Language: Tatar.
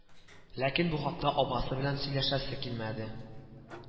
Ләкин бу хакта абасы белән сөйләшәсе килмәде